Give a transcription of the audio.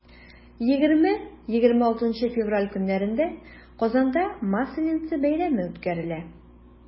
20-26 февраль көннәрендә казанда масленица бәйрәме үткәрелә.